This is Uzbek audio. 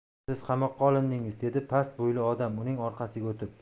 siz qamoqqa olindingiz dedi past bo'yli odam uning orqasiga o'tib